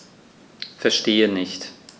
Verstehe nicht.